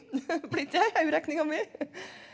blir det ikke det hoderegninga mi.